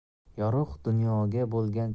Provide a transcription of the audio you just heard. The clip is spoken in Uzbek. yorug' dunyoga bo'lgan